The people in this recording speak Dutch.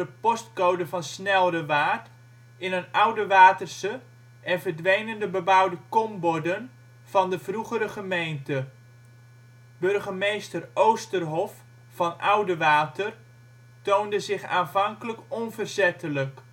postcode van Snelrewaard in een Oudewaterse en verdwenen de bebouwde komborden van de vroegere gemeente. Burgemeester Oosterhoff van Oudewater toonde zich aanvankelijk onverzettelijk